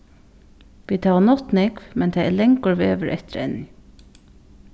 vit hava nátt nógv men tað er langur vegur eftir enn